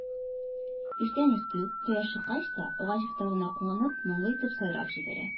Иртән-иртүк, кояш чыккач та, агач ботагына кунып моңлы итеп сайрап җибәрә